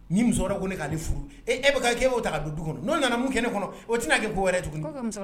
Ni muso ko ne k' furu ee e bɛ ta don du kɔnɔ n'o nana mun kɛnɛ ne kɔnɔ o t tɛna'a kɛ bɔ wɛrɛ tuguni